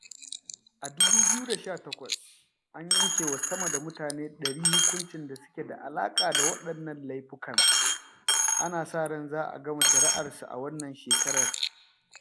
A 2018, an yanke wa sama da mutane ɗari hukuncin da suke da alaƙa da waɗannan laifukan. Ana sa ran za a gama shari'arsu a wannan shekarar.